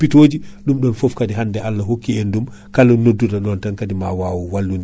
eyyi donc non min jiggoyi non partenaire ruji gɗɗi ko wayno SOLEVO en